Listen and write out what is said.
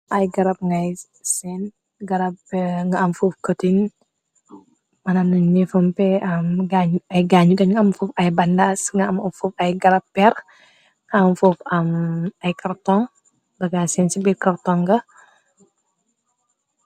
Ay garab ngay seen garab nga am foof kotin mënam nañu neefampe ay gaañu gañ nga am foof ay bandaas nga am foof ay garab per nga am fook ay kartong bagaa seen ci bir kartonga.